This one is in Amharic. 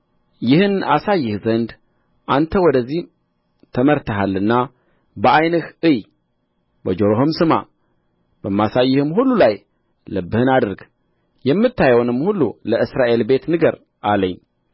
ይህን አሳይህ ዘንድ አንተ ወደዚህ ተመርተሃልና በዓይንህ እይ በጆሮህም ስማ በማሳይህም ሁሉ ላይ ልብህን አድርግ የምታየውንም ሁሉ ለእስራኤል ቤት ንገር አለኝ